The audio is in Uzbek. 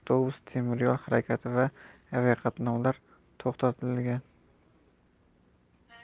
harakati va aviaqatnovlar to'xtatilgan